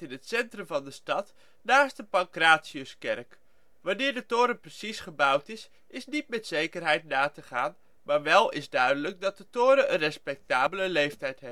het centrum van de stad, naast de Pancratiuskerk. Wanneer de toren precies gebouwd is, is niet met zekerheid na te gaan, maar wel is duidelijk dat de toren een respectabele leeftijd